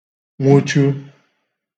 nwụchu